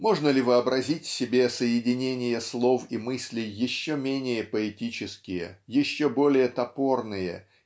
-- можно ли вообразить себе соединения слов и мыслей еще менее поэтические еще более топорные